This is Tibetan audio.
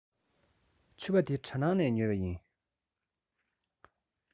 ཕྱུ པ འདི གྲ ནང ནས ཉོས པ ཡིན